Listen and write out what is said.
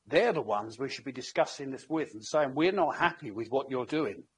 They're the ones we should be discussing this with and saying we're not happy with what you're doing.